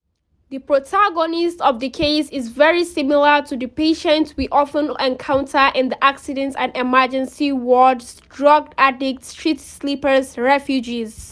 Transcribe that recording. The protagonist of the case is very similar to the patients we often encounter in the accident and emergency wards – drug addicts, street sleepers, refugees.